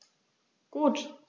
Gut.